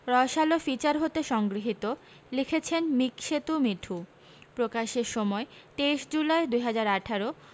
রসআলো feature হতে সংগৃহীত লিখেছেনঃ মিকসেতু মিঠু প্রকাশের সময়ঃ ২৩ জুলাই ২০১৮